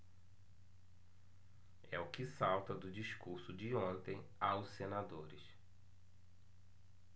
é o que salta do discurso de ontem aos senadores